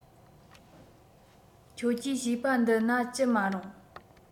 ཁྱོད ཀྱིས བྱིས པ འདི ན ཅི མ རུང